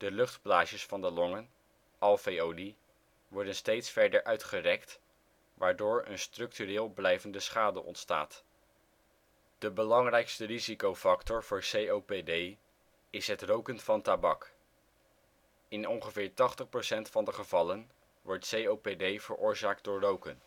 luchtblaasjes van de longen (alveoli) worden steeds verder uitgerekt waardoor een structureel blijvende schade ontstaat. De belangrijkste risicofactor voor COPD is het roken van tabak. In ongeveer 80 % van de gevallen wordt COPD veroorzaakt door roken